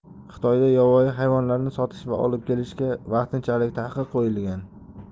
xitoyda yovvoyi hayvonlarni sotish va olib kelishga vaqtinchalik taqiq qo'yilgan